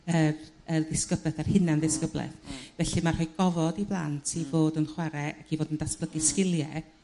yrr y ddisgybeth yr hunan ddisgyblaeth felly ma' rhoi gofod i blant i bod yn chwar'e ac i fod yn ddatblygu sgilie